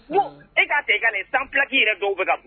Nko e k'a ta i ka san pilaki yɛrɛ dɔw bɛ ka